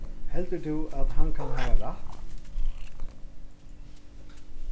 heldur tú at hann kann hava rætt